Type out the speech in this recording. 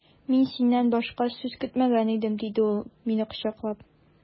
Мин синнән башка сүз көтмәгән идем, диде ул мине кочаклап.